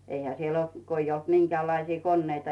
eihän siellä ollut kun ei ollut minkäänlaisia koneita